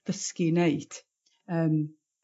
ddysgu i neud. Yym.